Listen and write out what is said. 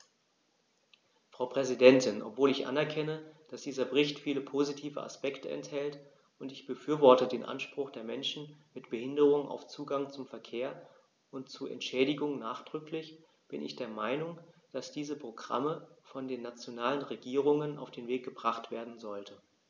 Frau Präsidentin, obwohl ich anerkenne, dass dieser Bericht viele positive Aspekte enthält - und ich befürworte den Anspruch der Menschen mit Behinderung auf Zugang zum Verkehr und zu Entschädigung nachdrücklich -, bin ich der Meinung, dass diese Programme von den nationalen Regierungen auf den Weg gebracht werden sollten.